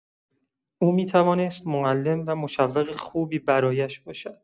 او می‌توانست معلم و مشوق خوبی برایش باشد.